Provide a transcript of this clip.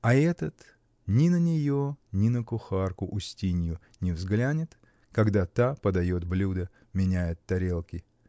А этот ни на нее, ни на кухарку Устинью не взглянет, когда та подает блюда, меняет тарелки.